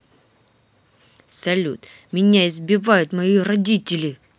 салют меня избивают мои родители